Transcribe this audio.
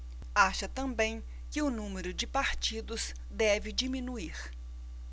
acha também que o número de partidos deve diminuir